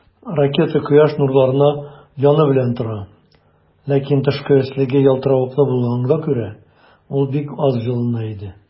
Ракета Кояш нурларына яны белән тора, ләкин тышкы өслеге ялтыравыклы булганга күрә, ул бик аз җылына иде.